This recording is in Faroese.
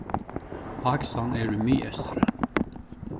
pakistan er í miðeystri